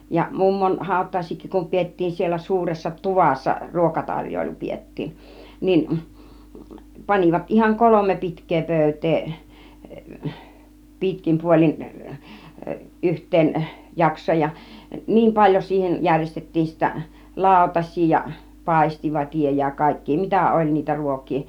ja mummon hautajaisiinkin kun pidettiin siellä suuressa tuvassa ruokatarjoilu pidettiin niin panivat ihan kolme pitkää pöytää pitkin puolin yhteen jaksoon ja niin paljon siihen järjestettiin sitten lautasia ja paistivatia ja kaikkia mitä oli niitä ruokia